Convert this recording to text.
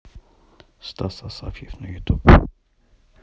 стас асафьев на ютуб